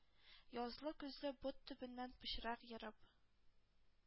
Язлы-көзле бот төбеннән пычрак ерып,